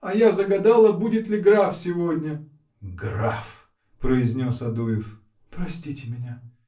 А я загадала, будет ли граф сегодня. – Граф! – произнес Адуев. – Простите меня!